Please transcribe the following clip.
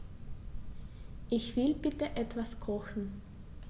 Ich will bitte etwas kochen.